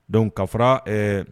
Don kara